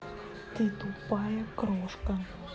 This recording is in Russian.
ты тупая крошка